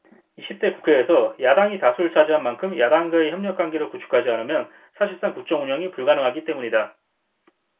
이십 대 국회에서 야당이 다수를 차지한 만큼 야당과의 협력관계를 구축하지 않으면 사실상 국정 운영이 불가능하기 때문이다